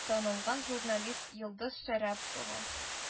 Танылган журналист йолдыз шәрәпова